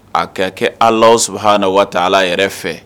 A ka kɛ ala sɔrɔ ha na waa yɛrɛ fɛ